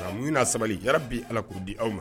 A muɲu n'a sabali ya rabi, Ala k'o di aw ma.